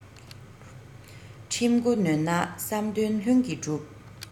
ཁྲིམས འགོ ནོན ན བསམ དོན ལྷུན གྱིས འགྲུབ